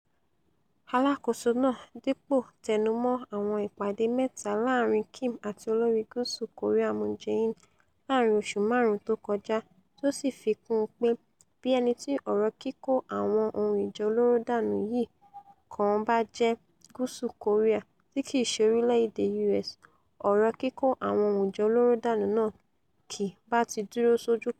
Aláàkóso náà dípò tẹnumọ́ àwọn ìpàdé mẹ́ta láàrin Kim àti olóri Gúúsù Kòríà Moon Jae-in láàrin oṣù máàrún tókọjá tí ó sì fi kún uń pé: Bí ẹniti ọ̀rọ̀ kíkó àwọn ohun ìjà olóró dànù yìí kàn bájẹ̵́ Gúúsù Kòríà tí kìí ṣe orílẹ̀-èdè U.S., ọ̀rọ̀ kíkó àwọn ohun ìjà olóró dànù náà kì bátí dúró sójú kan.